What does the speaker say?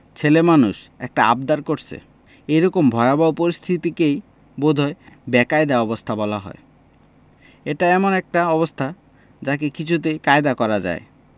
ছেলে মানুষ একটা অব্দিার করছে এরকম ভয়াবহ পরিস্থিতিকেই বোধ হয় বেকায়দা অবস্থা বলা হয় এটা এমন একটা অবস্থা যাকে কিছুতেই কায়দা করা যায়